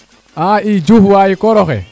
a i Diouf waay kooroxe